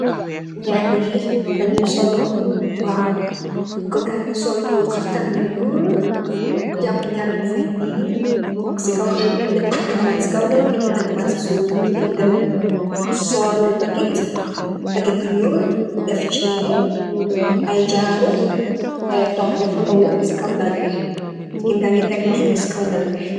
Nyarr yi danyu sulu waw goor bangi sulu khaftan bu nyul japu nyarri luxho yi nii tok si kaw lal ta benah tang kah bang si kaw lal benen tang kah bang si kaw lal jigeen bi tamit sul dagit, dagit bu nyul chain aye jaru tok di photo wu si kaw lal bi jigeen ba ngi tek luxho bi si kaw lal bi